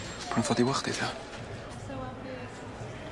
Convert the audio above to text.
Pam dod i wel' chdi ta?